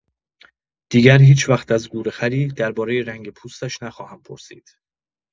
دیگر هیچوقت از گورخری، دربارۀ رنگ پوستش نخواهم پرسید!